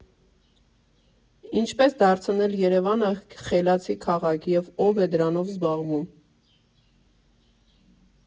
Ինչպե՞ս դարձնել Երևանը խելացի քաղաք և ո՞վ է դրանով զբաղվում։